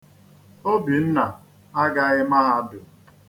Obinna agaghị mahadum.